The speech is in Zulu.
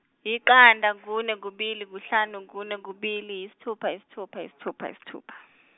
iqanda kune kubili kuhlanu kune kubili isithupa isithupa isithupa isithupa.